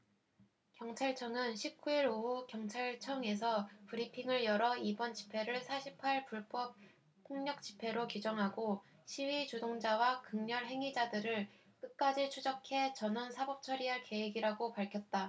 경찰청은 십 구 일 오후 경찰청에서 브리핑을 열어 이번 집회를 사 십 팔 불법 폭력 집회로 규정하고 시위 주동자와 극렬 행위자들을 끝까지 추적해 전원 사법처리할 계획이라고 밝혔다